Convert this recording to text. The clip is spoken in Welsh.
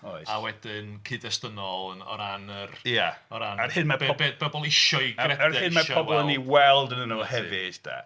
Oes... A wedyn cyd-destynol o ran yr... Ia. ...O ran yr be oedd bobl isio'i gredu... A'r hyn mae pobl yn ei weld yno nhw hefyd 'de.